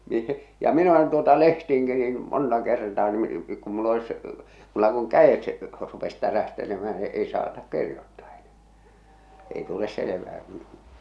- ja minä olen tuota lehtiinkin niin monta kertaa niin kun minulla olisi minulla kun kädet rupesi tärähtelemään no ei saata kirjoittaa enää ei tule selvää kun